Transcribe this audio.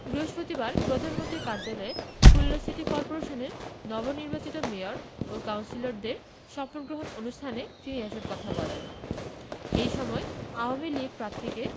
বৃহস্পতিবার প্রধানমন্ত্রীর কার্যালয়ে খুলনা সিটি কর্পোরেশনের নবনির্বাচিত মেয়র ও কাউন্সিলরদের শপথগ্রহণ অনুষ্ঠানে তিনি এসব কথা বলেন এ সময় আওয়ামী লীগ প্রার্থীকে